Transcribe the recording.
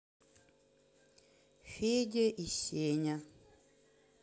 федя и сеня